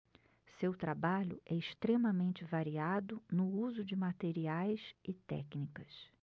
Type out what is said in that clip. seu trabalho é extremamente variado no uso de materiais e técnicas